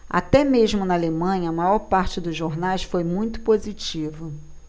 até mesmo na alemanha a maior parte dos jornais foi muito positiva